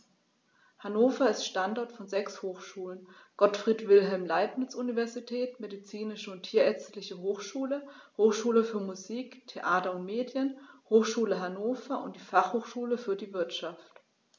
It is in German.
Hannover ist Standort von sechs Hochschulen: Gottfried Wilhelm Leibniz Universität, Medizinische und Tierärztliche Hochschule, Hochschule für Musik, Theater und Medien, Hochschule Hannover und die Fachhochschule für die Wirtschaft.